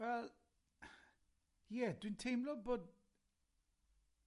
Wel, ie, dwi'n teimlo bod